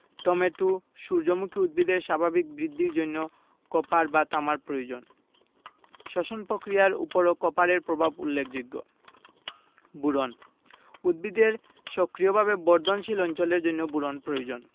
tomato সূর্যমুখী উদ্ভিদের স্বাভাবিক বৃদ্ধির জন্য কপার বা তামার প্রয়োজন শ্বসন পক্রিয়ার উপরও কপারের প্রভাব উল্লেখযোগ্য বোরন উদ্ভিদের সক্রিয়ভাবে বর্ধনশীল অঞ্চলের জন্য বোরন প্রয়োজন